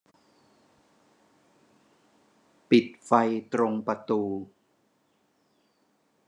ปิดไฟตรงประตู